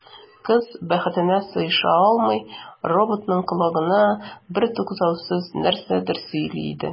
Кыз, бәхетенә сыеша алмый, роботның колагына бертуктаусыз нәрсәдер сөйли иде.